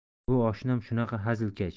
bu oshnam shunaqa hazilkash